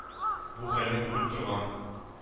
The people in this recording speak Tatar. Бу хәлне күреп торган,